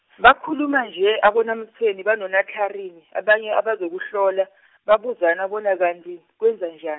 bakhuluma nje, abonaMtshweni banonaTlharini, abanye abazokuhlola , babuzana bona kanti, kwenzanja-.